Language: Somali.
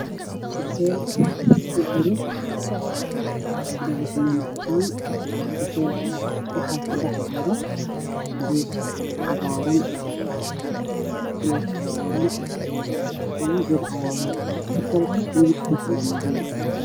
Waxa ay ii muuqda geed cagaaran oo baxaya geedka caleemihiisu waa cagaar